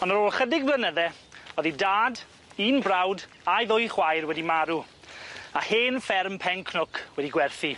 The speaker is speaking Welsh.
On' ar ôl ychydig blynydde o'dd 'i dad, un brawd, a'i ddwy chwaer wedi marw a hen fferm Pencnwc wedi gwerthu.